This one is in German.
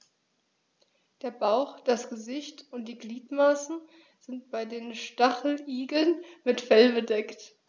Der Bauch, das Gesicht und die Gliedmaßen sind bei den Stacheligeln mit Fell bedeckt.